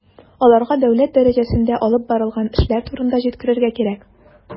Аларга дәүләт дәрәҗәсендә алып барылган эшләр турында җиткерергә кирәк.